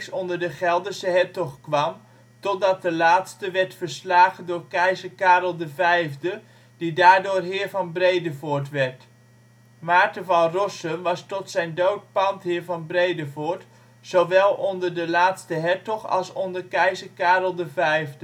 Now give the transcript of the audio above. onder de Gelderse hertog kwam, totdat de laatste werd verslagen door Keizer Karel V, die daardoor ' Heer van Bredevoort ' werd. Maarten van Rossum was tot zijn dood pandheer van Bredevoort zowel onder de laatste hertog als onder Keizer Karel V.